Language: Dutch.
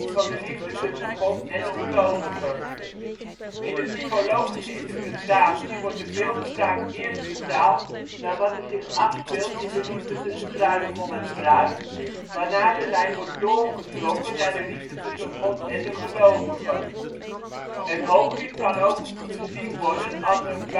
van de liefde tussen God en de gelovige. In de typologische interpretatie wordt de beeldspraak eerst vertaald naar wat er zich afspeelt in de liefde tussen bruidegom en bruid, waarna de lijn wordt doorgetrokken naar de liefde tussen God en de gelovige. Het Hooglied kan ook gezien worden als een